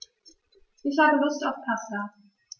Ich habe Lust auf Pasta.